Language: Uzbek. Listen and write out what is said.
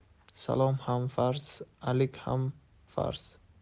salom ham farz alik ham farz